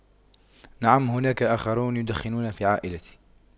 نعم هناك آخرون يدخنون في عائلتي